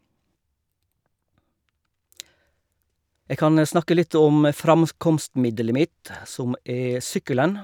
Jeg kan snakke litt om framkomstmiddelet mitt, som er sykkelen.